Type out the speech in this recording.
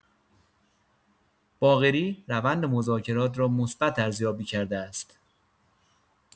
باقری روند مذاکرات را مثبت ارزیابی کرده است.